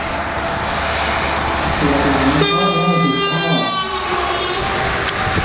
ปวดหลังเพราะนั่งผิดท่า